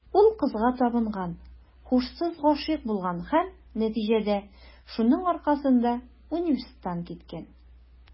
Ул кызга табынган, һушсыз гашыйк булган һәм, нәтиҗәдә, шуның аркасында университеттан киткән.